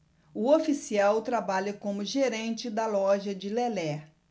o oficial trabalha como gerente da loja de lelé